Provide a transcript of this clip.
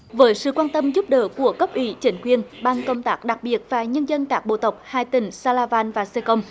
với sự quan tâm giúp đỡ của cấp ủy chính quyền ban công tác đặc biệt và nhân dân các bộ tộc hà tĩnh sa la van và xê công